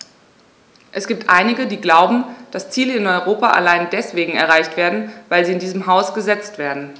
Es gibt einige, die glauben, dass Ziele in Europa allein deswegen erreicht werden, weil sie in diesem Haus gesetzt werden.